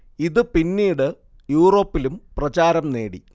ഇതു പിന്നീടു യൂറോപ്പിലും പ്രചാരം നേടി